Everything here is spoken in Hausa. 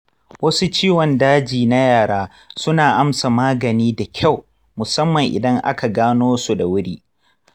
wasu ciwon daji na yara suna amsa magani da kyau, musamman idan aka gano su da wuri